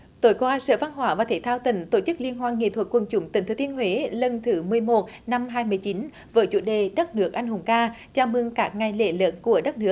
tối qua sở văn hóa và thể thao tỉnh tổ chức liên hoan nghệ thuật quần chúng tỉnh thừa thiên huế lần thứ mười một năm hai mười chín với chủ đề đất được anh hùng ca chào mừng các ngày lễ lớn của đất nước